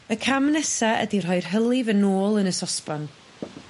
Y cam nesa ydi rhoi'r hylif yn ôl yn y sosban.